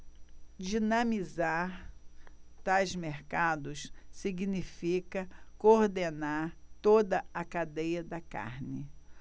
dinamizar tais mercados significa coordenar toda a cadeia da carne